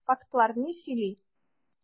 Фактлар ни сөйли?